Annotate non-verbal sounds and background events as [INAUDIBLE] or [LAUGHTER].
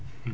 [HESITATION] [HESITATION]